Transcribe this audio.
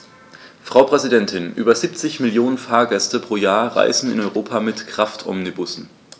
Frau Präsidentin, über 70 Millionen Fahrgäste pro Jahr reisen in Europa mit Kraftomnibussen.